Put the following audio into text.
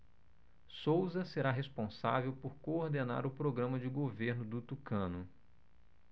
souza será responsável por coordenar o programa de governo do tucano